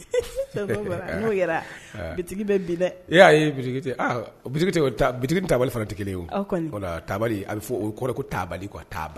No bi bɛ bin dɛ ye bi tabali fana tigi a bɛ o kɔrɔ ko ta ka